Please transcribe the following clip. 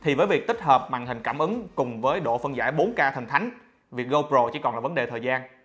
thì với việc tích hợp màn hình cảm ứng cùng với độ phân giải k thần thánh việc go pro chỉ còn là vấn đề thời gian